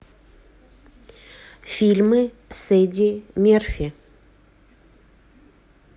фильмы с эдди мерфи